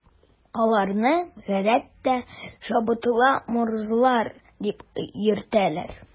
Аларны, гадәттә, “чабаталы морзалар” дип йөртәләр.